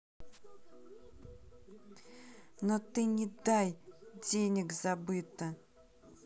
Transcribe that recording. но ты не дай денег забыто